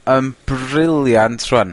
...yn brilliant rŵan...